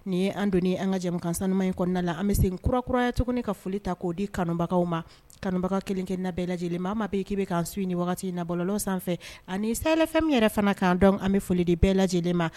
Nin ye an donnen an ka jɛmukan sanuman in kɔnɔna la. an bɛ segin kura kuraya tuguni ka foli ta k'o di kanubagaw ma, kanubaga kelenkelen bɛɛ lajɛlen ma. Maa maa bɛ yen k'i bɛ k'an suit ni waati in na bɔlɔlɔ sanfɛ ani sahel FM yɛrɛ fana kan, donc an bɛ foli di bɛɛ lajɛlen ma